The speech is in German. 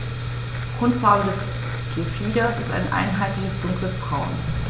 Grundfarbe des Gefieders ist ein einheitliches dunkles Braun.